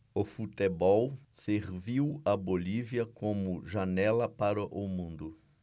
o futebol serviu à bolívia como janela para o mundo